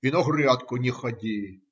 - И на грядку не ходи.